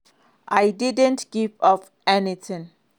"I didn't give up anything."